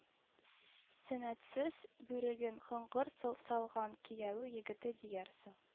Сөннәтсез бүреген кыңгыр салган – кияү егете диярсең